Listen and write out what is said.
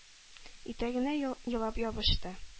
Итәгенә елап ябышты.